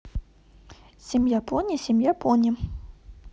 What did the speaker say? семья пони семья пони